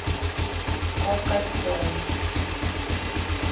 кот костюм